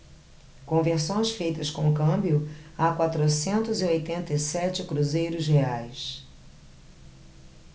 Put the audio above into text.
conversões feitas com câmbio a quatrocentos e oitenta e sete cruzeiros reais